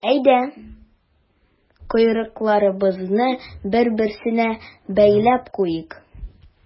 Әйдә, койрыкларыбызны бер-берсенә бәйләп куйыйк.